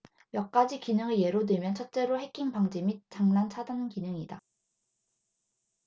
몇 가지 기능을 예로 들면 첫째로 해킹 방지 및 장난 차단 기능이다